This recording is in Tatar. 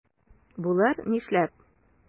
Булыр, нишләп?